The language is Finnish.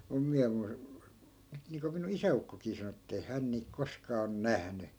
minun minä - nyt niin kuin minun isäukkokin sanoi että ei hän niitä koskaan ole nähnyt